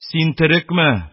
- син терекме?